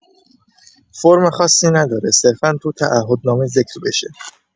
فرم خاصی نداره صرفا تو تعهد نامه ذکر بشه